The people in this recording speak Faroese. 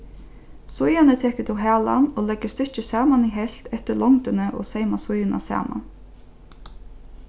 síðani tekur tú halan og leggur stykkið saman í helvt eftir longdini og seyma síðuna saman